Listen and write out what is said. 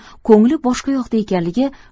ko'ngli boshqa yoqda ekanligi